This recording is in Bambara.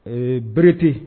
Ɛɛ berete